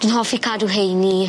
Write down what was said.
Dwi'n hoffi cadw heini.